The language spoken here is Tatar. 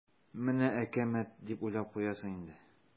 "менә әкәмәт" дип уйлап куясың инде.